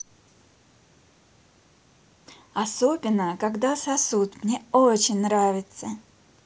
особенно когда сосут мне очень нравится